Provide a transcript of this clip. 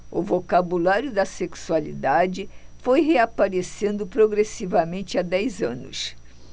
o vocabulário da sexualidade foi reaparecendo progressivamente há dez anos